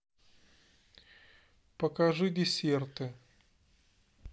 покажи десерты